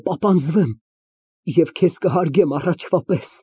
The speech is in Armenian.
Կպապանձվեմ և կհարգեմ քեզ առաջվա պես։